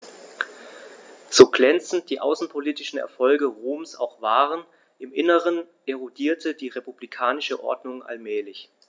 So glänzend die außenpolitischen Erfolge Roms auch waren: Im Inneren erodierte die republikanische Ordnung allmählich.